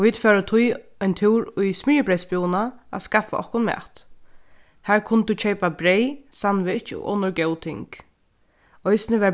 og vit fóru tí ein túr í smyrjibreyðsbúðina at skaffa okkum mat har kundi tú keypa breyð sandwich og onnur góð ting eisini var